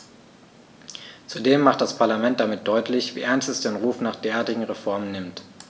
Zudem macht das Parlament damit deutlich, wie ernst es den Ruf nach derartigen Reformen nimmt.